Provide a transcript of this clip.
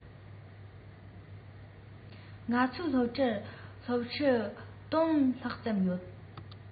ང ཚོའི སློབ གྲྭར སློབ ཕྲུག ༡༠༠༠ ལྷག ཙམ ཡོད རེད